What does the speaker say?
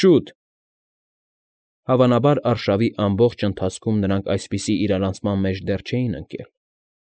Շո՜ւտ… Հավանաբար, արշավի ամբողջ ընթացքում նրանք այսպիսի իրարանցման մեջ դեռ չէին ընկել։